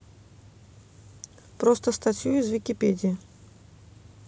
просто статью из википедии